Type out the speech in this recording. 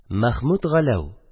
Мәхмүт Галәү